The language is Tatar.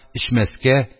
Эчмәскә,